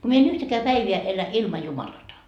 kun minä en yhtäkään päivää elä ilman Jumalatta